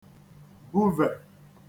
buvè